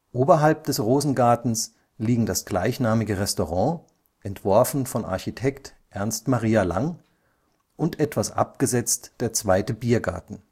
Oberhalb des Rosengartens liegen das gleichnamige Restaurant, entworfen von Architekt Ernst Maria Lang, und etwas abgesetzt der zweite Biergarten